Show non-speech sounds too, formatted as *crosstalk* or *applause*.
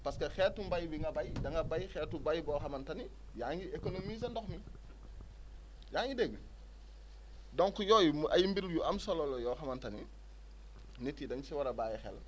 parce que xeetu mbéy bi nga béy *noise* da nga béy xeetu béy boo xamante ni yaa ngi économiser ndox mi yaa ngi dégg donc yooyu mu ay mbir yu am solo la yoo xamante ni nit ñi dañ si war a bàyyi xel